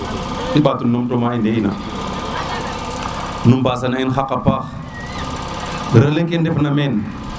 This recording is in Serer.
i mbato num tu ma i nde i na nu mbasa na in xaq apaax relais ke ndef na meen